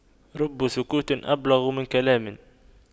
رب سكوت أبلغ من كلام